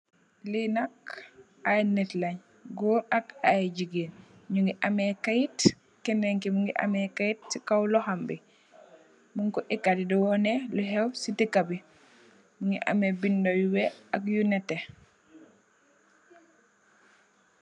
Li nak ay nit len goor ak ay jigeen nyugi ameh keyt kenen ki mogi ame keyt si kaw loxom bi mung ko eketi di wonex ku hew si deka bi mogi ameh binda yu weex ak yu nete.